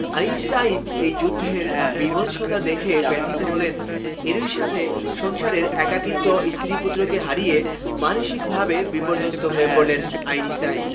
Einstein এই যুদ্ধের বীভৎসতা দেখে ব্যথিত হলেন এরই সাথে সংসারের একাকীত্ব স্ত্রী পুত্রকে হারিয়ে মানসিকভাবে বিপর্যস্ত হয়ে পড়লেন আইনস্টাইন